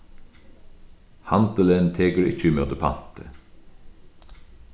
handilin tekur ikki ímóti panti